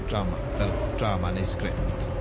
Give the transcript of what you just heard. Drama, fel drama neu sgript?